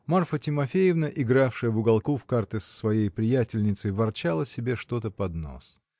Марфа Тимофеевна, игравшая в уголке в карты с своей приятельницей, ворчала себе что-то под нос.